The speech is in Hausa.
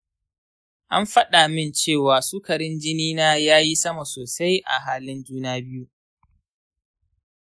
an faɗa mini cewa sukarin jinina yayi sama sosai a halin juna-biyu.